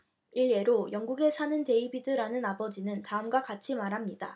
일례로 영국에 사는 데이비드라는 아버지는 다음과 같이 말합니다